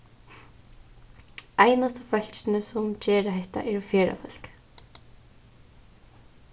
einastu fólkini sum gera hetta eru ferðafólk